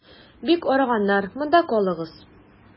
Бик арыганнар, монда калыгыз.